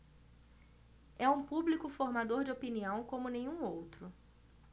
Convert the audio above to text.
é um público formador de opinião como nenhum outro